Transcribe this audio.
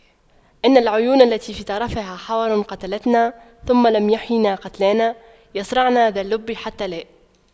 إن العيون التي في طرفها حور قتلننا ثم لم يحيين قتلانا يَصرَعْنَ ذا اللب حتى لا